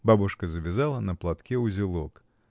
Бабушка завязала на платке узелок.